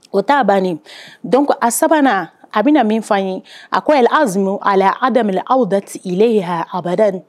O ta ban dɔn ko a sabanan a bɛna na min' ye a ko awz aw adama aw da ye abadari